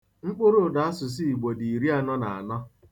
Mkpụrụụdasụsụ Igbo dị iri anọ na anọ.